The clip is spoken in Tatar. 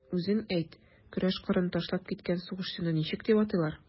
Үзең әйт, көрәш кырын ташлап киткән сугышчыны ничек дип атыйлар?